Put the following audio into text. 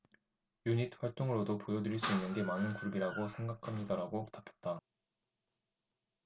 유닛 활동으로도 보여드릴 수 있는 게 많은 그룹이라고 생각합니다라고 답했다